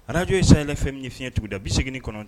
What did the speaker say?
Radio Sahel FM fiɲɛ tuguda 89